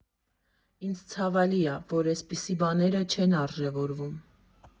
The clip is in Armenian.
Ինձ ցավալի ա, որ էսպիսի բաները չեն արժևորվում։